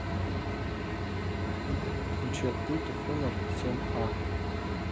отключи от пульта хонор семь а